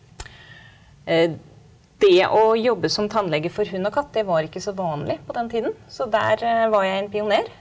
det å jobbe som tannlege for hund og katt det var ikke så vanlig på den tiden så der var jeg en pioner.